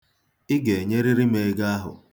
Ị ga-enyerịrị m ego ahụ.